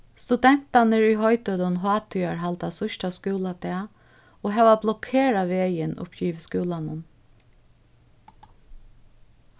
studentarnir í hoydølum hátíðarhalda síðsta skúladag og hava blokerað vegin uppiyvir skúlanum